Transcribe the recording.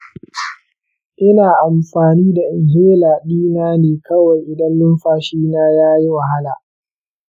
ina amfani da inhaler dina ne kawai idan numfashina ya yi wahala.